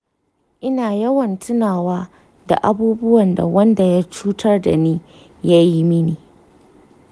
ina yawan tunawa da abubuwan da wanda ya cutar da ni ya yi mini.